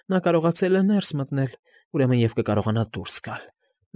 Նա կարող֊ղացել է ներս մտնել, ուրեմն և կկարողանա դուրս֊ս֊գալ։